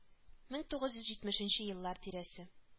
Бер мең тугыз йөз җитмешенче еллар тирәсе